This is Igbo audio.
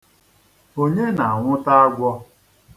Onye na-anwụta agwọ?